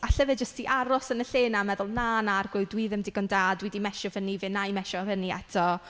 Allai fe jyst 'di aros yn y lle yna a meddwl "Na, na Arglwydd, dwi ddim digon da, dwi 'di mesio fyny, fe wna i mesio i fyny eto."